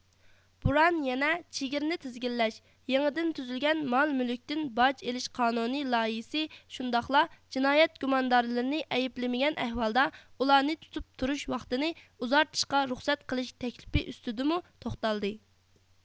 بۇران يەنە چېگرىنى تىزگىنلەش يېڭىدىن تۈزۈلگەن مال مۈلۈكتىن باج ئېلىش قانۇن لايىھىسى شۇنداقلا جىنايەت گۇماندارلىرىنى ئەيىبلىمىگەن ئەھۋالدا ئۇلارنى تۇتۇپ تۇرۇش ۋاقتىنى ئۇزارتىشقا رۇخسەت قىلىش تەكلىپىى ئۈستىدىمۇ توختالدى